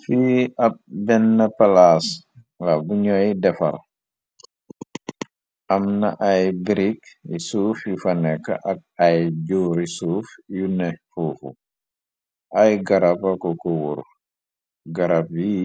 fii ab benn palaas nga bu ñooy defal amna ay brikyi suuf yu fa nekk ak ay jouri suuf yu ne xuuxu ay garabako ku wur garab yi